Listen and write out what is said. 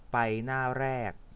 ไปหน้าแรก